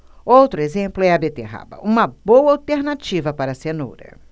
outro exemplo é a beterraba uma boa alternativa para a cenoura